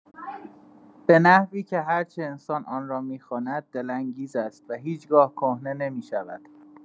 به نحوی که هر چه انسان آن را می‌خواند دل‌انگیز است و هیچ‌گاه کهنه نمی‌شود.